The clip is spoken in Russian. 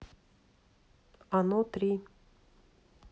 оно три